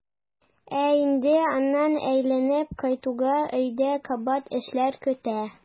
Ә инде аннан әйләнеп кайтуга өйдә кабат эшләр көтә.